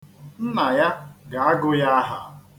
Nna ya ga-agụ ya aha.